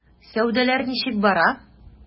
Сәүдәләр ничек бара?